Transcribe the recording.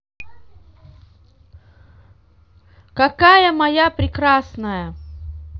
какая моя прекрасная